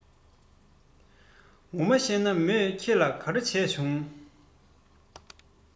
ངོ མ གཤད ན མོས ཁྱེད ལ ག རེ བྱས བྱུང